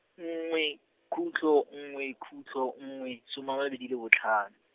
nngwe, khutlo nngwe khutlo nngwe, soma a mabedi le botlhano.